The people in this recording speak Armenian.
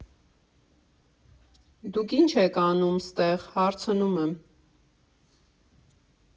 Դուք ի՞նչ եք անում ստեղ՝ հարցնում եմ։